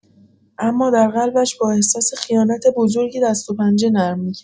اما در قلبش با احساس خیانت بزرگی دست‌وپنجه نرم می‌کرد.